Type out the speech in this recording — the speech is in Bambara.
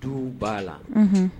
Du b' la